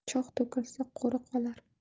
cho'g' to'kilsa qo'ri qolar